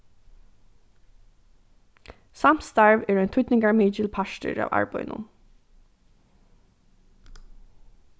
samstarv er ein týdningarmikil partur av arbeiðinum